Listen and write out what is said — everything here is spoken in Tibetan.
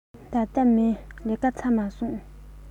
ད ལྟ མིན ལས ཀ ཚར མ སོང